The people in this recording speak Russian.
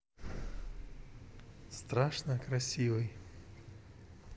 страшно красивый